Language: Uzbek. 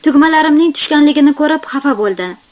tugmalarimning tushganligini ko'rib xafa bo'ldi